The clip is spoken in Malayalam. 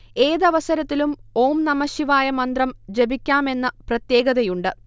ഏതവസരത്തിലും ഓം നമഃശിവായ മന്ത്രം ജപിക്കാമെന്ന പ്രത്യേകതയുണ്ട്